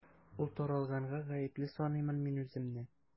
Ул таралганга гаепле саныймын мин үземне.